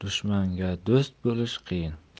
dushmanga do'st bo'lish qiyin